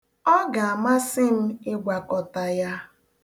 Ọ ga-amasị m ịgwakọta ya.